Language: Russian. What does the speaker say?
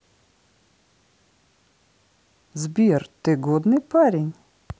сбер ты годный парень